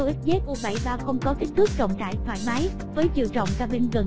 hino xzu có kích thước rộng rãi thoải mái với chiều rộng cabin gần m